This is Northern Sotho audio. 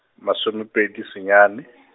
masome pedi senyane.